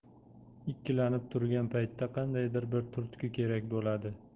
ikkilanib turgan paytda qandaydir bir turtki kerak bo'ladi